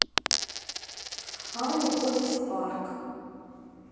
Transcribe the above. аня ходит в парк